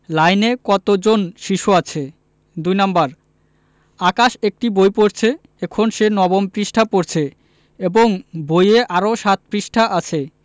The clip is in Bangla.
লাইনে কত জন শিশু আছে ২ নাম্বার আকাশ একটি বই পড়ছে এখন সে নবম পৃষ্ঠা পড়ছে এবং বইয়ে আরও ৭ পৃষ্ঠা আছে